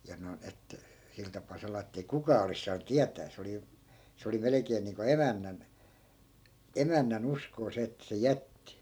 ja noin että sillä tapaa salaa että ei kukaan olisi saanut tietää se oli se oli melkein niin kuin emännän emännän uskoa se että se jätti